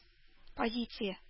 Позиция